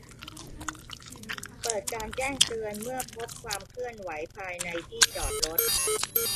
เปิดการแจ้งเตือนเมื่อพบความเคลื่อนไหวภายในที่จอดรถ